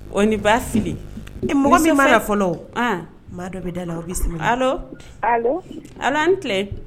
O ni Bafili. Mɔgɔ min ma na fɔlɔ o. An! . Maa dɔ bɛ da la, o bisimila. Allo . Allo . Allo an ni tile!